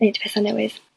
'neud petha' newydd.